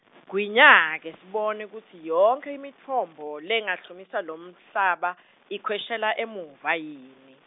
gwinya ke sibone kutsi yonkhe imitfombo lengahlumisa lomhlaba, ikhweshela emuva yini.